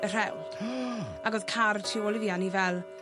y rhewl. Ag odd car tu ôl i fi a o'n i fel